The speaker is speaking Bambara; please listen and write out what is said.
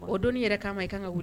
O doni yɛrɛ k'a ma i ka kan ka wuli